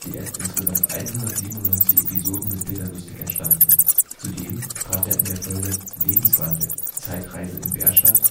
ZDF insgesamt 197 Episoden mit Peter Lustig entstanden. Zudem trat er in der Folge Lebenswandel – Zeitreise in Bärstadt